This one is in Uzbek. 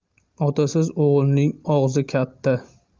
otasiz o'g'ilning og'zi katta